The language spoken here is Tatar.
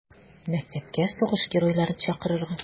Мәктәпкә сугыш геройларын чакырырга.